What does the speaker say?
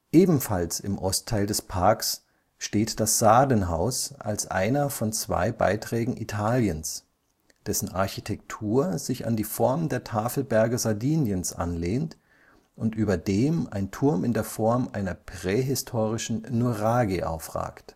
Ebenfalls im Ostteil des Parks steht das Sardenhaus als einer von zwei Beiträgen Italiens, dessen Architektur sich an die Form der Tafelberge Sardiniens anlehnt und über dem ein Turm in der Form einer prähistorischen Nuraghe aufragt